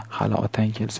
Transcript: hali otang kelsa